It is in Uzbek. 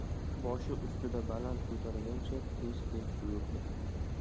boshi ustida baland ko'targancha tez tez yurdi